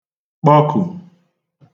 kpọkù